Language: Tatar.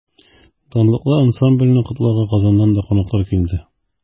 Данлыклы ансамбльне котларга Казаннан да кунаклар килде.